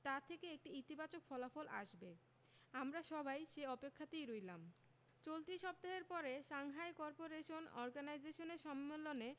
তা থেকে একটি ইতিবাচক ফলাফল আসবে আমরা সবাই সে অপেক্ষাতেই রইলাম চলতি সপ্তাহের পরে সাংহাই করপোরেশন অর্গানাইজেশনে সম্মেলনে